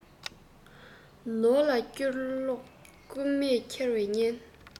ནོར ལ བསྐྱུར བརླག རྐུན མས འཁྱེར བའི ཉེན